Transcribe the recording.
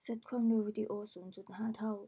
เซ็ตความเร็ววีดีโอศูนย์จุดห้าเท่า